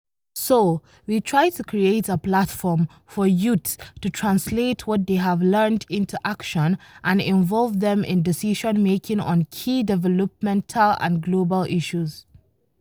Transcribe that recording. So, we try to create a platform for youth to translate what they have learnt into action and involve them in decision making on key developmental and global issues.